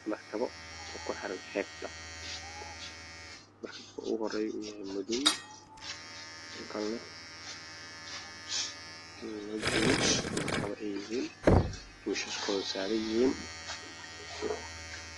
Meeshaan waa meel bad ah waxaa joogto markan aada u weyn waana deked banaanka ay taagan tahay